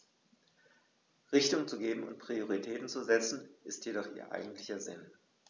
Richtung zu geben und Prioritäten zu setzen, ist jedoch ihr eigentlicher Sinn.